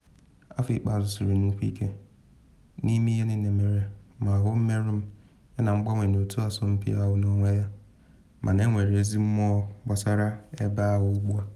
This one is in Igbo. Afọ ikpeazụ siri nnukwu ike, n’ime ihe niile mere ma ahụ mmerụ m yana mgbanwe n’otu asọmpi ahụ n’onwe ya mana enwere ezi mmụọ gbasara ebe ahụ ugbu a.